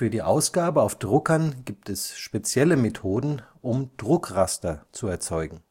die Ausgabe auf Druckern gibt es spezielle Methoden, um Druckraster zu erzeugen